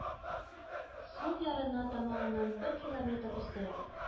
Сул ярына тамагыннан бер километр өстәрәк